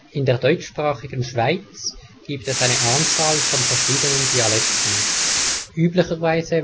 In der deutschsprachigen Schweiz (gelb) gibt es eine Anzahl von verschiedenen Dialekten. Üblicherweise